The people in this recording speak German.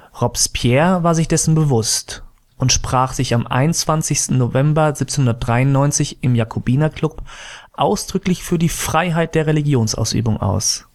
Robespierre war sich dessen bewusst und sprach sich am 21. November 1793 im Jakobinerclub ausdrücklich für die Freiheit der Religionsausübung aus